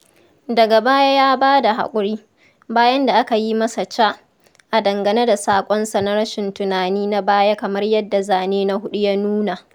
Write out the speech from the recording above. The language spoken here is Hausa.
Daga baya ya ba da haƙuri, bayan da aka yi masa ca, a dangane da saƙonsa na "rashin tunani" na baya kamar yadda Zane na 4 ya nuna.